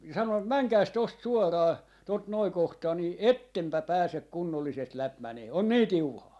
sanon menkääpäs tuosta suoraan tuota noin kohtaa niin ettepä pääse kunnollisesti läpi menemään on niin tiuhaa